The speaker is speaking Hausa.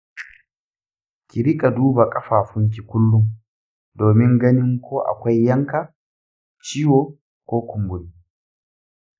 ki riƙa duba ƙafafunki kullum domin ganin ko akwai yanka, ciwo ko kumburi.